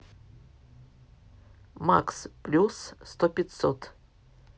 макс плюс сто пятьсот